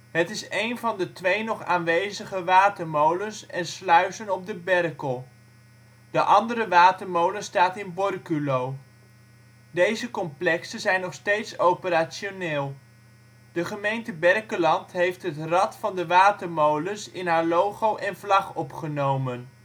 Het is één van de twee nog aanwezige watermolens en sluizen op de Berkel. De andere watermolen staat in Borculo. Deze complexen zijn nog steeds operationeel. De gemeente Berkelland heeft het rad van de watermolens in haar logo en vlag opgenomen